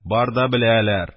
Бар да беләләр